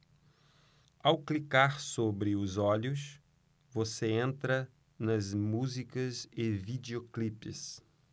ao clicar sobre os olhos você entra nas músicas e videoclipes